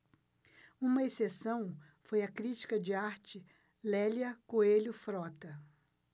uma exceção foi a crítica de arte lélia coelho frota